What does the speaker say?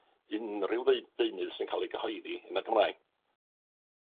unrhyw ddeu- ddeunydd sy'n ca'l 'i gyhoeddi yn y Gymraeg.